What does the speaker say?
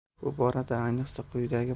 bu borada ayniqsa quyidagi